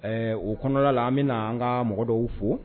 Ɛɛ o kɔnɔna la an bɛna na an ka mɔgɔ dɔw fo